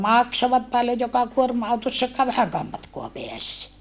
maksoivat paljon joka kuorma-autossakaan vähänkään matkaa pääsi